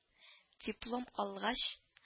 Диплом алгач